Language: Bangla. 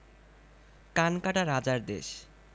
কানকাটা রাজার দেশ